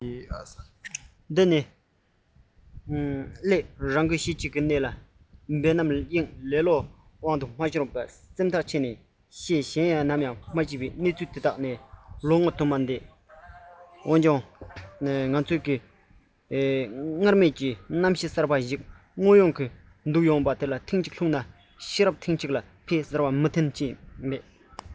ད ནི སླད རང དགོས ཤེས བྱའི གནས ལ འབད རྣམ གཡེང ལེ ལོའི དབང དུ མི ཤོར བའི སེམས ཐག བཅད ཐབས ཤེས གཞན གང ཡང མ མཆིས གནས ཚུལ དེ ལྷགས ནས ལོ ངོ དུ མ འདས ཁོ བོའི སེམས སུ རྡོ ལ རི མོ བརྐོས པ བཞིན ལྷང ངེར གསལ ལ སྐབས རེ བསམ བློ གཏོང ཕྱོགས གཅིག ལ ངོ གདོང ཡོངས ལ སྔར མེད ཀྱི རྣམ པ གསར པ ཞིག མངོན ཡོང གི འདུག འོབ དོང ལ ཐེངས གཅིག ལྷུང ན ཤེས རབ ཐེངས གཅིག འཕེལ ཟེར བ མི བདེན པ ཅི མེད